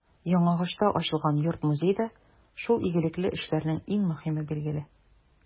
Яңагошта ачылган йорт-музей да шул игелекле эшләрнең иң мөһиме, билгеле.